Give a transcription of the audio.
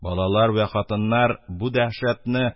Балалар вә хатыннар бу дәһшәтне